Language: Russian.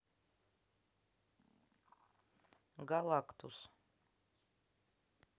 галактус